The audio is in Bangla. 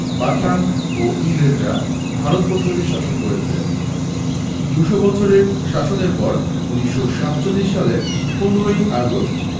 পাঠান ও ইংরেজরা ভারত বর্ষকে শাসন করেছে দু'শ বছরের শাসনের পর ১৯৪৭ সালের ১৫ ই আগস্ট